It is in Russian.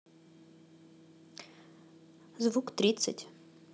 звук тридцать